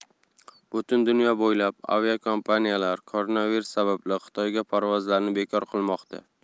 butun dunyo bo'ylab aviakompaniyalar koronavirus sababli xitoyga parvozlarni bekor qilmoqda